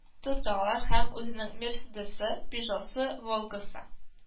Тоталар, һәм үзенең «мерседес»ы, «пижо»сы, «волга»сы,